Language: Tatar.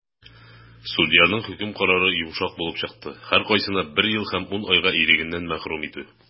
Судьяның хөкем карары йомшак булып чыкты - һәркайсына бер ел һәм 10 айга ирегеннән мәхрүм итү.